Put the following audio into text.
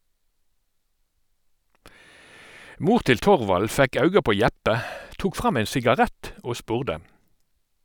Mor til Torvald fekk auga på Jeppe, tok fram ein sigarett, og spurde: